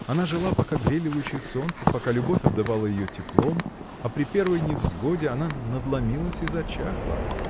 Она жила, пока грели лучи солнца, пока любовь обдавала ее теплом, а при первой невзгоде она надломилась и зачахла.